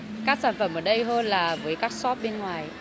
các sản phẩm ở đây hơn là với các sóp bên ngoài